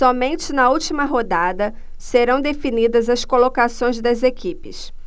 somente na última rodada serão definidas as colocações das equipes